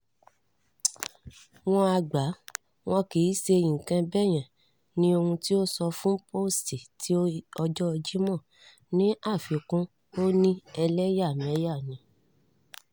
”Wọ́n á gbà. Wọn kì í ṣe nǹkan bẹ́ẹ̀ yẹn,” ni ohun tí ó sọ fún Post ti ọjọ́ Jímọ̀. Ní àfikún, “Ó ní ẹlẹ́yàmẹyà ni.”